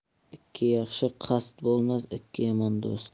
ikki yaxshi qasd bo'lmas ikki yomon do'st